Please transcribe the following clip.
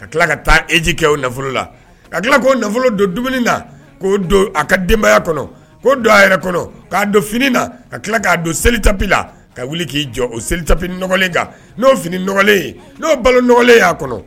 ka tila ka taa eji kɛ o nafolo la ka tila' o nafolo don dumuni na k' don a ka denbaya kɔnɔ k'o don a yɛrɛ kɔnɔ'a don fini na ka tila k' don selita ka k'i jɔ selio finilen balo nɔgɔlen'a kɔnɔ